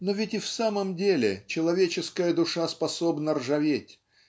но ведь и в самом деле человеческая душа способна ржаветь